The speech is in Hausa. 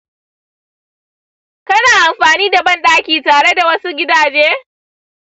kana amfani da banɗaki tare da wasu gidaje?